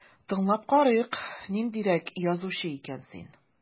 Тыңлап карыйк, ниндирәк язучы икән син...